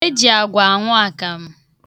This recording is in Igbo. Eji agwa aṅụ akamụ.